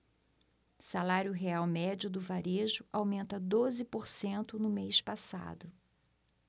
salário real médio do varejo aumenta doze por cento no mês passado